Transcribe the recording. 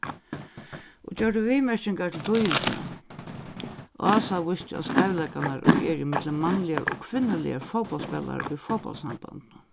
og gjørdu viðmerkingar til tíðindini ása vísti á skeivleikarnar ið eru ímillum mannligar og kvinnuligar fótbóltsspælarar í fótbóltssambandinum